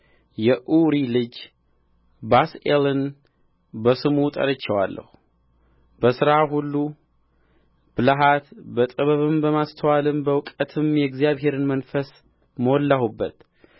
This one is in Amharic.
የኡሪ ልጅ ባስልኤልን በስሙ ጠርቼዋለሁ በሥራ ሁሉ ብልሃት በጥበብም በማስተዋልም በእውቀትም የእዚአብሔርን መንፈስ ሞላሁበት